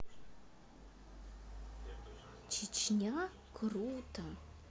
чечня круто